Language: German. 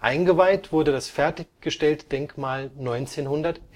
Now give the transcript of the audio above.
Eingeweiht wurde das fertiggestellte Denkmal 1911